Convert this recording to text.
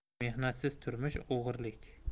mehnatsiz turmush o'g'irlik